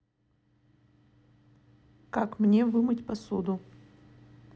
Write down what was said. как мне вымыть посуду